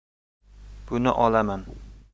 buni olaman